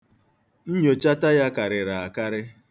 Nnyochata ya karịrị akarị.